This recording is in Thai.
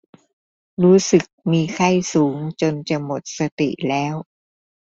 รู้สึกมีไข้สูงจนจะหมดสติแล้ว